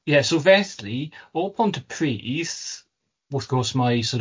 Yeah, so felly o Pontypridd wrth gwrs mae sor' of